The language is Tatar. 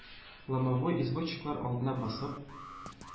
Ломовой извозчиклар алдына басып: